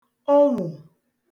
onwò